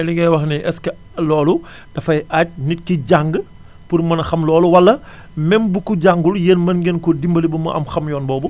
mais li ngay wax nii est ce que loolu dafay aaj nit ki jàng pour mën a xam loolu wala même bu ku jàngul yéen mën ngeen koo dimbali ba mu am xam yoon boobu